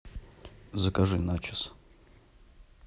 закажи начос